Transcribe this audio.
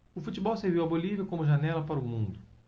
o futebol serviu à bolívia como janela para o mundo